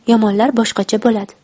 yomonlar boshqacha bo'ladi